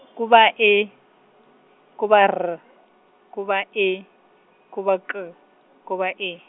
ku va E ku va R ku va E ku va K ku va E.